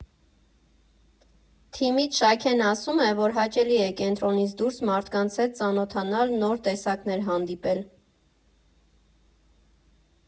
Թիմից Շաքեն ասում է, որ հաճելի է կենտրոնից դուրս մարդկանց հետ ծանոթանալ, նոր տեսակներ հանդիպել.